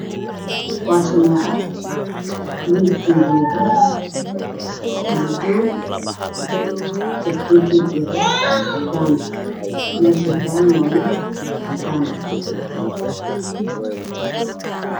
Waa sameecad midabkeeda yahay madow